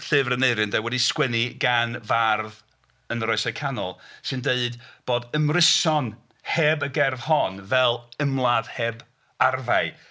Llyfr Aneurin de wedi sgwennu gan fardd yn yr Oesau Canol sy'n deud bod ymryson heb y gerdd hon fel ymladd heb arfau.